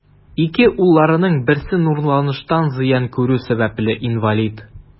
Ике улларының берсе нурланыштан зыян күрү сәбәпле, инвалид.